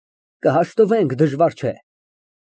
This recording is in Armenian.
Կհաշտվենք, դժվար չէ։